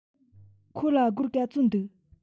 ཁོ ལ སྒོར ག ཚོད འདུག